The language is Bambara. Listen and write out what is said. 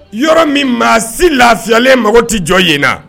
Yɔrɔ min maa si lafiyalen mago tɛ jɔ yen na